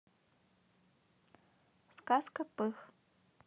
сказка пых